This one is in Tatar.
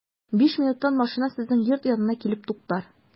Биш минуттан машина сезнең йорт янына килеп туктар.